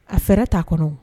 A fɛɛrɛ t'a kɔnɔ o